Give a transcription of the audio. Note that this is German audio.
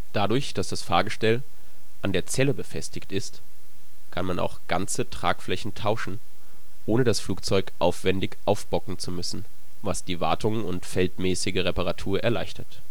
Dadurch dass das Fahrgestell an der Zelle befestigt ist, kann man auch ganze Tragflächen tauschen, ohne das Flugzeug aufwändig aufbocken zu müssen, was die Wartung und feldmäßige Reparatur erleichtert